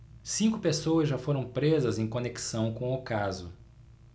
cinco pessoas já foram presas em conexão com o caso